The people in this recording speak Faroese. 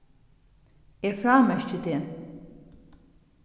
eg frámerki teg